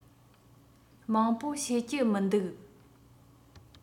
མང པོ ཤེས ཀྱི མི འདུག